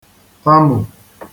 tamù